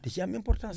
da cioy am importance